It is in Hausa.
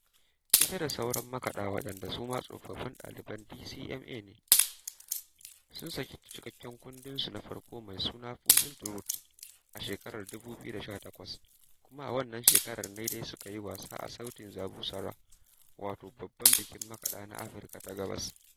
Ita da sauran makaɗan, waɗanda su ma tsofaffin ɗaliban DCMA ne, sun saki cikakken kundinsu na farko mai suna "Fusing the Root" a shekarar 2018, kuma a wannan shekarar ne dai suka yi wasa a Sauti za Busara, wato babban bikin makaɗa na Afirka ta Gabas.